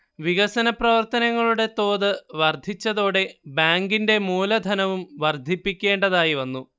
വികസന പ്രവർത്തനങ്ങളുടെ തോത് വർധിച്ചതോടെ ബാങ്കിന്റെ മൂലധനവും വർധിപ്പിക്കേണ്ടതായിവന്നു